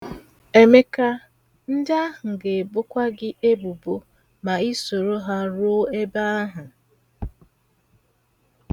Emeka, ndị ahụ ga-ebokwa gị ebubo ma i soro ha ruo ebe ahụ.